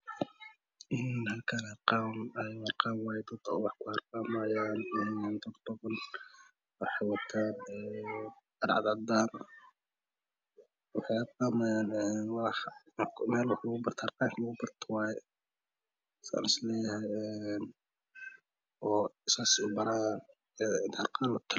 Halkaan een harqaan waye dad aa wax lagu baraya dada badan waxay watan dhar cad cadan ah waxay baranayan meel harqaanaka lagu barto waaye says isleeyahay saas ayey baranayaan in harqaan la talo